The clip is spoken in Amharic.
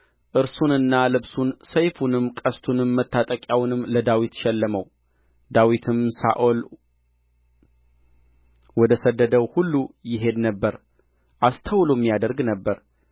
እርሱንና ልብሱን ሰይፉንም ሸለመው ዮናታንም የለበሰውን ካባ አውልቆ እርሱንና ልብሱን ሰይፉንም ቀስቱንም መታጠቂያውንም ለዳዊት ሸለመው ዳዊትም ሳኦል ወደ ሰደደው ሁሉ ይሄድ ነበር አስተውሎም ያደርግ ነበር